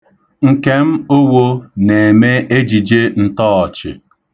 Nkem Owo na-eme ejije ntọọchị.